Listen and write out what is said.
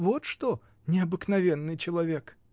Вот что, необыкновенный человек!